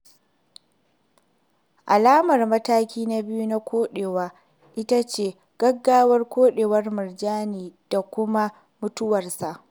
Alamar mataki na biyu na koɗewa ita ce gaggawar koɗewar murjanin da kuma mutuwarsa.